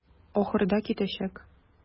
Ахырда китәчәк.